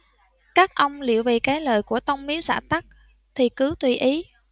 các ông liệu vì cái lợi của tông miếu xã tắc thì cứ tùy ý